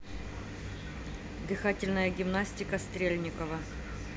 дыхательная гимнастика стрельникова